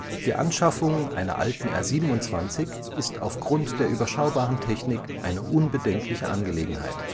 Die Anschaffung einer alten R 27 ist aufgrund der überschaubaren Technik eine unbedenkliche Angelegenheit